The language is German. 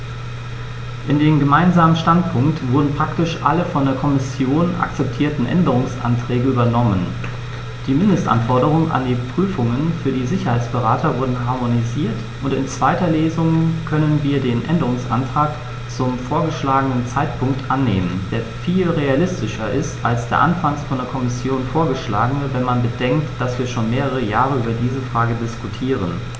In den gemeinsamen Standpunkt wurden praktisch alle von der Kommission akzeptierten Änderungsanträge übernommen, die Mindestanforderungen an die Prüfungen für die Sicherheitsberater wurden harmonisiert, und in zweiter Lesung können wir den Änderungsantrag zum vorgeschlagenen Zeitpunkt annehmen, der viel realistischer ist als der anfangs von der Kommission vorgeschlagene, wenn man bedenkt, dass wir schon mehrere Jahre über diese Frage diskutieren.